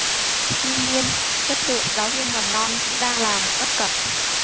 tuy nhiên chất lượng giáo viên mầm non cũng đang là một bất cập